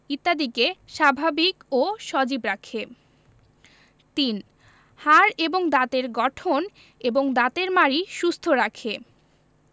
ইত্যাদিকে স্বাভাবিক ও সজীব রাখে ৩. হাড় এবং দাঁতের গঠন এবং দাঁতের মাড়ি সুস্থ রাখে